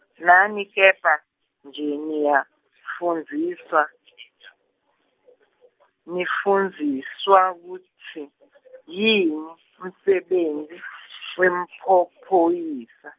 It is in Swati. nani kepha, nje niyafundziswa , nifundziswa kutsi, yini, umsebenti, wemaphoyisa.